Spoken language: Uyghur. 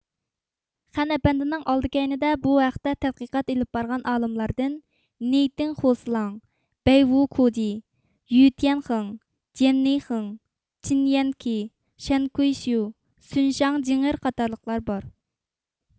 خەن ئەپەندىنىڭ ئالدى كەينىدە بۇ ھەقتە تەتقىقات ئېلىپ بارغان ئالىملاردىن نېيتىڭ خۇسىلاڭ بەيۋۇكۇجى يۈتيەنخېڭ جيەننېيخېڭ چېنيەنكې شەنكۇشيۇ سۇنشاڭ جېڭئېر قاتارلىقلار بار